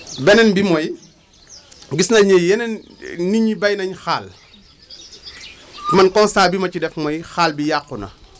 beneen bi mooy gis nañu ne yeneen nit ñi béy nañu xaal mal constat bi ma ci def mooy xaal bi yàqu na